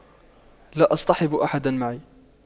لا أصطحب أحد معي